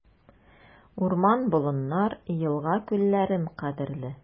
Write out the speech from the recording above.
Урман-болыннар, елга-күлләрем кадерле.